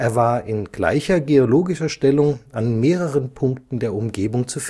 war in gleicher geologischer Stellung an mehreren Punkten der Umgebung zu